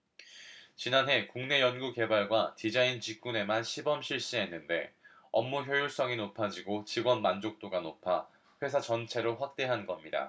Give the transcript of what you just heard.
지난해 국내 연구개발과 디자인 직군에만 시범 실시했는데 업무 효율성이 높아지고 직원 만족도가 높아 회사 전체로 확대한 겁니다